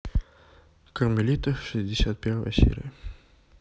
кармелита шестьдесят первая серия